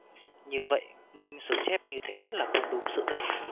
như vậy minh sử chép như thế là không đúng sự thực